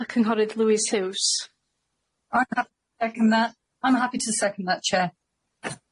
Y cynghorydd Lewis Hughes. I'm hap- second that I'm happy to second that chair.